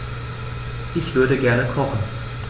Ich würde gerne kochen.